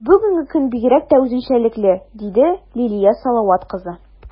Бүгенге көн бигрәк тә үзенчәлекле, - диде Лилия Салават кызы.